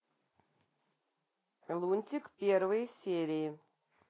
лунтик первые серии